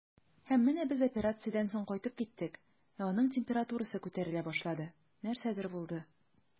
Һәм менә без операциядән соң кайтып киттек, ә аның температурасы күтәрелә башлады, нәрсәдер булды.